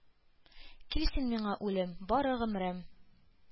Кил син миңа, үлем, бары гомрем